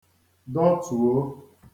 dọ̀tuo